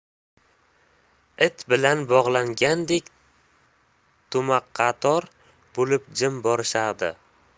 ip bilan boglangandek tumaqator bo'lib jim borishardi